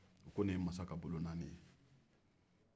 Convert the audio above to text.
ko nin ye masa ka bolonaani ye